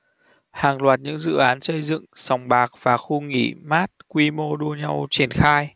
hàng loạt những dự án xây dựng sòng bạc và khu nghỉ mát quy mô đua nhau triển khai